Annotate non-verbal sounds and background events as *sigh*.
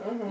*hesitation* *hesitation*